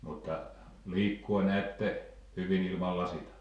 mutta liikkua näette hyvin ilman lasitta